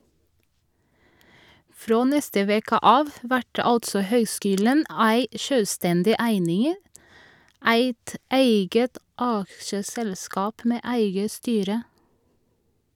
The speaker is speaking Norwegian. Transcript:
Frå neste veke av vert altså høgskulen ei sjølvstendig eining, eit eige aksjeselskap med eige styre.